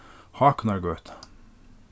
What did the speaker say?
hákunargøta